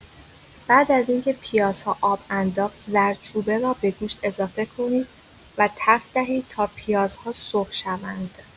بعد از اینکه پیازها آب انداخت زردچوبه را به گوشت اضافه کنید و تفت دهید تا پیازها سرخ شوند.